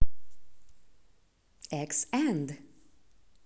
ax and